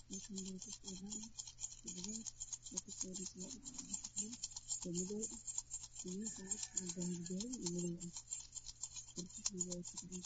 Halkaan waxaa ka muuqdo saacad maqaar aha midabkeedu madaw , qaxwi iyo dahabi